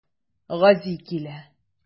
Гази килә.